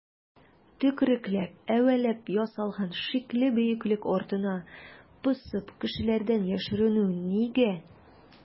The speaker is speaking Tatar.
Төкерекләп-әвәләп ясалган шикле бөеклек артына посып кешеләрдән яшеренү нигә?